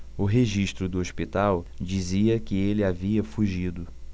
o registro do hospital dizia que ele havia fugido